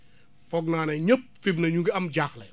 foog naa ne ñëpp fi mu ne ñu ngi am jaaxle